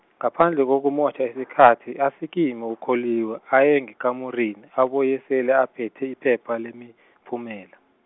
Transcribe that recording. ngaphandle kokumotjha isikhathi, asikime uKholiwe, aye ngekamurini, abuye sele aphethe iphepha, lemiphumela.